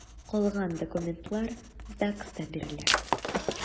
Калган документлар ЗАГСта бирелә.